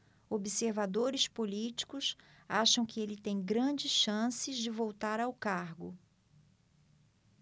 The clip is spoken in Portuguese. observadores políticos acham que ele tem grandes chances de voltar ao cargo